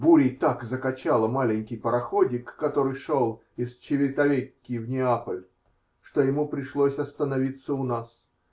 Бурей так закачало маленький пароходик, который шел из Чивитавеккьи в Неаполь, что ему пришлось остановиться у нас.